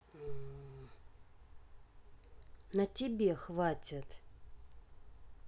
на тебе хватит